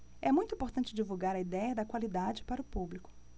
é muito importante divulgar a idéia da qualidade para o público